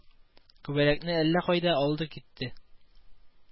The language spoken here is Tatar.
Күбәләкне әллә кайда, алды китте